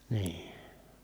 niin